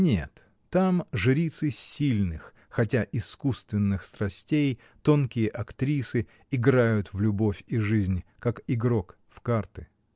Нет: там жрицы сильных, хотя искусственных страстей, тонкие актрисы, играют в любовь и жизнь, как игрок в карты.